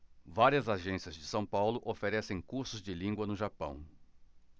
várias agências de são paulo oferecem cursos de língua no japão